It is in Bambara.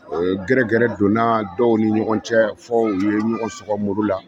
Gɛrɛɛrɛ donnana dɔw ni ɲɔgɔn cɛ fɔ u ye ɲɔgɔn sɔgɔmuru la